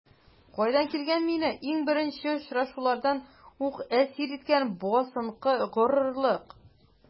Кайдан килгән мине иң беренче очрашулардан үк әсир иткән басынкы горурлык?